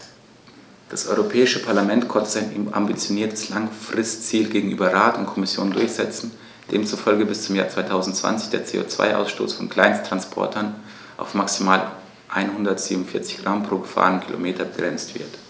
Das Europäische Parlament konnte sein ambitioniertes Langfristziel gegenüber Rat und Kommission durchsetzen, demzufolge bis zum Jahr 2020 der CO2-Ausstoß von Kleinsttransportern auf maximal 147 Gramm pro gefahrenem Kilometer begrenzt wird.